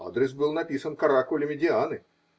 Адрес был написан каракулями Дианы.